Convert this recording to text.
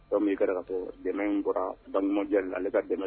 ' kɛra fɔ dɛmɛ in bɔra bamananwjɛ la ale ka dɛmɛ